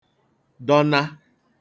dọna